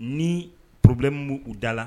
Ni porobe min b uu da la